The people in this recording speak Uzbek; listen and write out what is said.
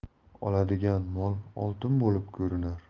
oladigan mol oltin bo'lib ko'rinar